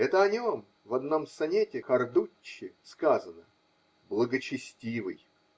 Это о нем в одном сонете Кардуччи сказано: "Благочестивый".